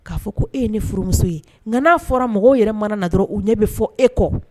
K'a fɔ ko e ye ni furumuso ye nka n'a fɔra mɔgɔw yɛrɛ mana na dɔrɔn u ɲɛ bɛ fɔ e kɔ